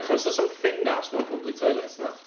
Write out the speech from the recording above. Achos does 'na'm ffenast mewn public toilet na?